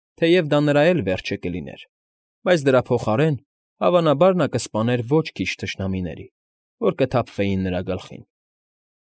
Թեև դա նրա էլ վերջը կլիներ, բայց դրա փոխարեն, հավանաբար, նա կսպաներ ոչ քիչ թշնամիների, որ կթափվեին նրա գլխին։